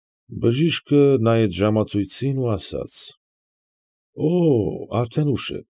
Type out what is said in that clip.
Բժիշկը նայեց ժամացույցին ու ասաց. ֊ Օօ, արդեն ուշ է։